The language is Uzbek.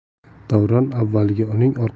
davron avvaliga uning